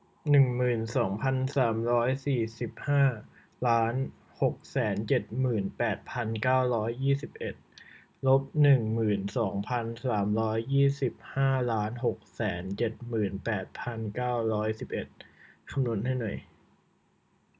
หนึ่งหมื่นสองพันสามร้อยสี่สิบห้าล้านหกแสนเจ็ดหมื่นแปดพันเก้าร้อยยี่สิบเอ็ดลบหนึ่งหมื่นสองพันสามร้อยสี่สิบห้าล้านหกแสนเจ็ดหมื่นแปดพันเก้าร้อยสิบเอ็ดคำนวณให้หน่อย